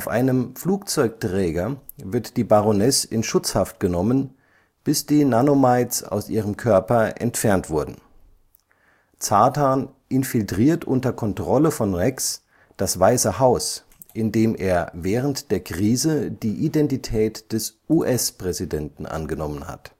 einem Flugzeugträger wird die Baroness in Schutzhaft genommen, bis die Nano-mites aus ihrem Körper entfernt wurden. Zartan infiltriert unter Kontrolle von Rex das Weiße Haus, indem er während der Krise die Identität des US-Präsidenten angenommen hat